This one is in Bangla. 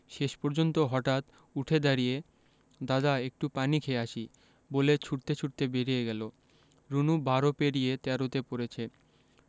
শেষ পর্যন্ত হঠাৎ উঠে দাড়িয়ে দাদা একটু পানি খেয়ে আসি বলে ছুটতে ছুটতে বেরিয়ে গেল রুনু বারো পেরিয়ে তেরোতে পড়েছে